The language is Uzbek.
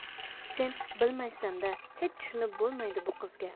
sen bilmaysanda hech tushunib bo'lmaydi bu qizga